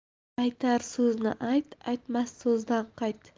aytar so'zni ayt aytmas so'zdan qayt